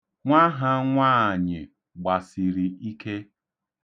Nwa ha nwaanyị gbasiri ike.